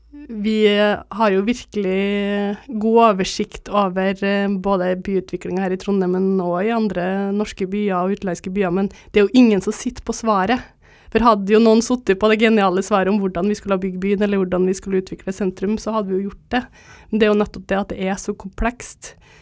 vi har jo virkelig god oversikt over både byutviklinga her i Trondheim men òg i andre norske byer og utenlandske byer, men det er jo ingen som sitter på svaret, for hadde jo noen sittet på det geniale svaret om hvordan vi skulle ha bygd byen eller hvordan vi skulle utvikle sentrum så hadde vi jo gjort det og det er jo nettopp det at det er så komplekst,